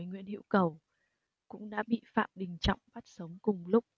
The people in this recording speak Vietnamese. nguyễn hữu cầu cũng đã bị phạm đình trọng bắt sống cùng lúc